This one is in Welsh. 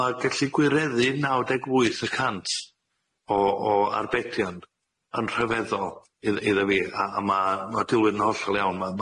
Ma gellu gwireddu naw deg wyth y cant o o arbedion yn rhyfeddol idd- iddo fi a a ma' ma' dilyn yn hollol iawn ma